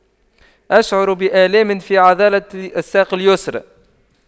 أشعر بآلام في عضلة الساق اليسرى